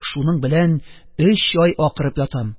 Шуның белән өч ай акырып ятам,